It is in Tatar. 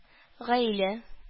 Гаилә